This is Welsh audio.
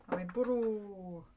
A mae'n bwrw!